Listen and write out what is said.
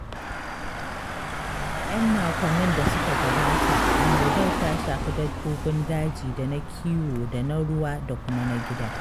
A 'yan makwannin da suka gabata, annobar ta shafi dabbobin daji da na kiwo da na ruwa da kuma na gida.